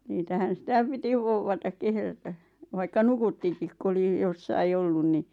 niitähän sitä piti vouvata kehrätä vaikka nukuttikin kun oli jossakin ollut niin